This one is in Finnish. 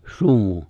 sumu